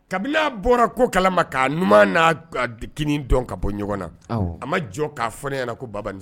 Kabini bɔra ko kala k'a ɲuman n'a dɔn ka bɔ ɲɔgɔn na, awɔ, a ma jɔ k'a fɔ ɲɛna ko baba